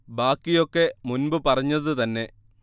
ബാക്കി ഒക്കെ മുൻപ് പറഞ്ഞത് തന്നെ